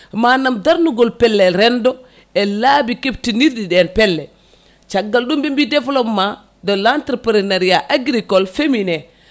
manam darnugol pelle rendo e laabi keftinirɗi ɗen pelle caggal ɗum ɓe mbi développement de l' entreprenariat agricol féminin